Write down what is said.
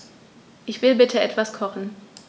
Ich will bitte etwas kochen.